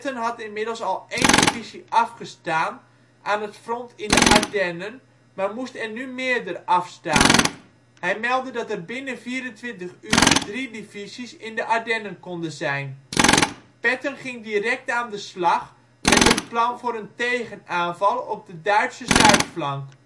had inmiddels al één divisie afgestaan aan het front in de Ardennen, maar moest er nu meerdere afstaan. Hij meldde dat er binnen 24 uur drie divisies in de Ardennen konden zijn. Patton ging direct aan de slag met een plan voor een tegenaanval op de Duitse zuidflank